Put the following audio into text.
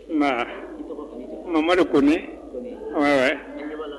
Nka;I tɔgɔ a ni jamu? Mamadu Kone; Wɛ, wɛ; An ɲɛ b'a la